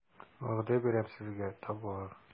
Вәгъдә бирәм сезгә, табылыр...